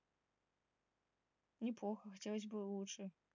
неплохо хотелось бы лучше